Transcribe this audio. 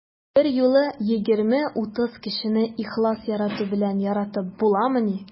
Берьюлы 20-30 кешене ихлас ярату белән яратып буламыни?